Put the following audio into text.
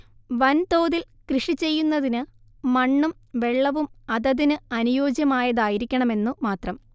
വൻതോതിൽ കൃഷിചെയ്യുന്നതിന് മണ്ണും വെള്ളവും അതതിന് അനുയോജ്യമായതായിരിക്കണമെന്നു മാത്രം